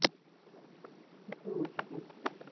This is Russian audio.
почемучки